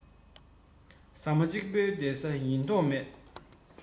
ཟ མ གཅིག པོའི སྡོད ས ཡིན མདོག མེད